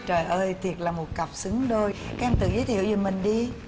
trời ơi thiệt là một cặp xứng đôi các em tự giới thiệu về mình đi